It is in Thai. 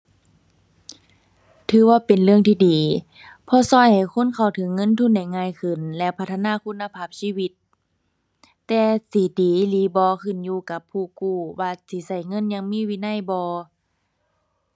ถือว่าเป็นเรื่องที่ดี เพราะช่วยให้คนเข้าถึงเงินทุนได้ง่ายขึ้นและพัฒนาคุณภาพชีวิต แต่สิดีอีหลีบ่ขึ้นอยู่กับผู้กู้ว่าสิช่วยเงินอย่างมีวินัยบ่